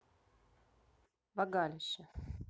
вагалище